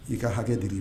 I ka hakɛ d'i r'i ma